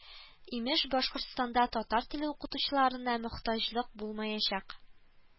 Имеш, Башкортстанда татар теле укытучыларына мохтаҗлык булмаячак